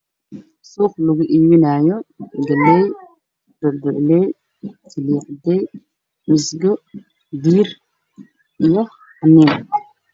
Waa saxan waxaa ku jira gallay digirta